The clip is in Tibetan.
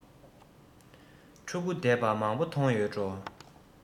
ཕྲུ གུ བསྡད པ མང པོ མཐོང ཡོད འགྲོ